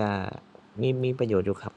ก็มีมีประโยชน์อยู่ครับ